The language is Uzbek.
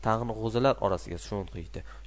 tag'in g'o'zalar orasiga sho'ng'iydi